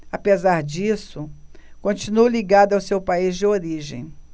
apesar disso continua ligado ao seu país de origem